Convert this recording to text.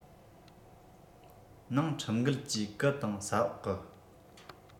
ནང ཁྲིམས འགལ གྱིས གི དང ས འོག གི